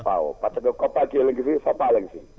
waaw parce que COPACEL a ngi fi Fapal a ngi fi